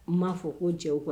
N m'a fɔ ko jɛ kɔnɔ